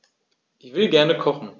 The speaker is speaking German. Ich will gerne kochen.